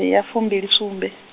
ya fumbilisumbe.